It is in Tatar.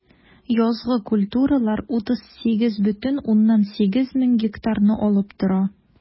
Язгы культуралар 38,8 мең гектарны алып тора.